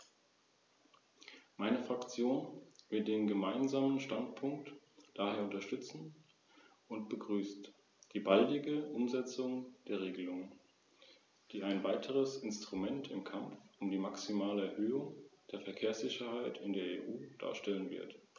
Es gibt einige, die glauben, dass Ziele in Europa allein deswegen erreicht werden, weil sie in diesem Haus gesetzt werden.